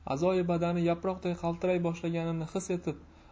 a'zoyi badani yaproqday qaltiray boshlaganini his etib